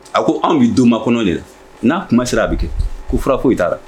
A ko anw' don ma kɔnɔ de la n'a kuma sera a bɛ kɛ ko fura foyi t'a la